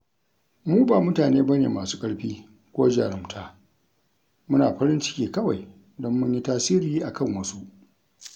Mu ba mutane ba ne masu ƙarfi ko jarumta… muna farin ciki kawai don mun yi tasiri a kan wasu.